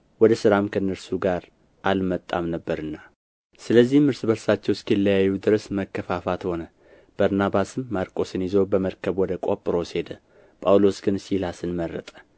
ወደ ሥራም ከእነርሱ ጋር አልመጣም ነበርና ስለዚህም እርስ በርሳቸው እስኪለያዩ ድረስ መከፋፋት ሆነ በርናባስም ማርቆስን ይዞ በመርከብ ወደ ቆጵሮስ ሄደ ጳውሎስ ግን ሲላስን መረጠ